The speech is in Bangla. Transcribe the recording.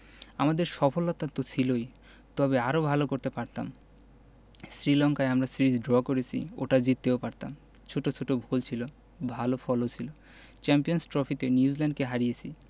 আমাদের সফলতা তো ছিলই তবে আরও ভালো করতে পারতাম শ্রীলঙ্কায় আমরা সিরিজ ড্র করেছি ওটা জিততেও পারতাম ছোট ছোট ভুল ছিল ভালো ফলও ছিল চ্যাম্পিয়নস ট্রফিতে নিউজিল্যান্ডকে হারিয়েছি